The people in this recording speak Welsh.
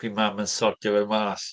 Bydd Mam yn sortio fe mas.